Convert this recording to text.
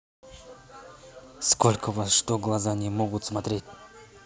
сколько вас что глаза не могут смотреть